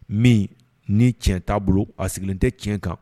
Min ni tiɲɛ t'a bolo a sigilen tɛ tiɲɛ kan